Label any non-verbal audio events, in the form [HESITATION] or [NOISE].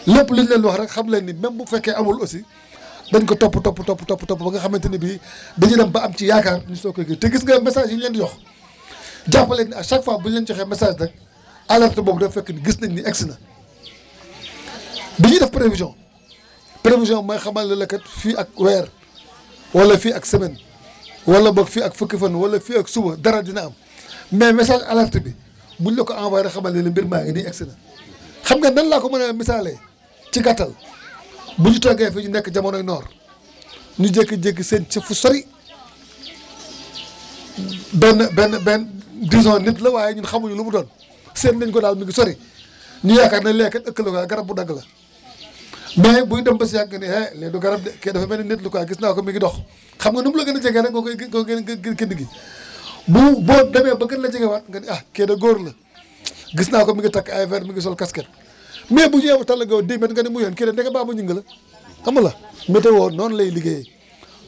lépp lu ñu leen wax rek xam leen ni même bu fekkee amul aussi [BREATH] dañ ko topp topp topp topp ba nga xamante ni bi [BREATH] dañuy dem ba am ci yaakaar ñu soog koy gis te gis nga messages yi ñu leen di jox [BREATH] jàpp leen ni à chaque fois bu ~u leen joxee message rek [BREATH] alerte boobu day fekk ne gis nañ ni egg si na [CROSSTALK] bi ñuy def prévision prévision mooy xamal ne la kat fii ak weer wala fii ak semaine wala boog fii ak fukki fan wala fii ak suba dara di na am [BREATH] mais message alerte bi bu ñu la ko envoyé rek xamal ne mbir maa ngi nii egg si na xam ngeen nan laa ko mën a misaalee ci gàttal bu ñu toogee fii ñu nekk jamonoy noor ñu jékki-jékki di séen ci fu sori [CROSSTALK] benn benn benn disons nit la waaye ñun xamuñu lu mu doon séen nañu ko daal mu ngi sori [BREATH] ñu yaakaar ne lee kat est ce que [HESITATION] garab bu dagg la [BREATH] mais buy dem ba si yàgg nga ni hee lee du garab de kee dafa mel ni nit la quoi gis naa ko mi ngi dox [BREATH] xam nga nu mu la gën a jegee nag nga koy gë gë gë gën a gis [BREATH] bu boo demee ba gën la jegewaat nga ni ah kee de góor la [SMACKS LIPS] gis naa ko mi ngi takk ay verre mi ngi sol casquette [BREATH] mais bu ñëwee ba tolloo ak yow 10 mètres nga ne mu yéen kii de ndeke Babou Gningue la xam nga lu ma la wax météo noonu lay liggéeyee [BREATH]